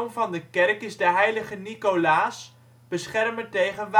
van de kerk is de Heilige Nicolaas, beschermer tegen